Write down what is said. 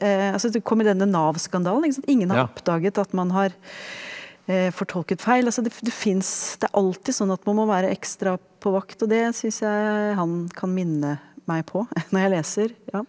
altså det kom jo denne NAV-skandalen ikke sant, ingen har oppdaget at man har fortolket feil, altså det det fins det er alltid sånn at man må være ekstra på vakt og det syns jeg han kan minne meg på når jeg leser ja.